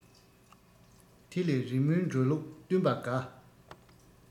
དེ ལས རི མོའི འགྲོ ལུགས བསྟུན པ དགའ